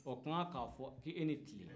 o ka kan k'a fɔ k'o e ni tile